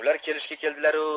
ular kelishga keldilaru